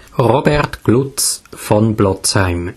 Robert Glutz von Blotzheim